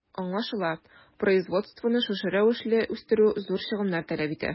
Аңлашыла, производствоны шушы рәвешле үстерү зур чыгымнар таләп итә.